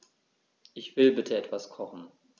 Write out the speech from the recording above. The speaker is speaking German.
Ich will bitte etwas kochen.